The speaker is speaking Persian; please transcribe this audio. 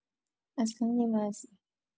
اصلا یه وضعی